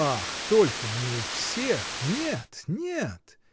— Ах, только не у всех, нет, нет!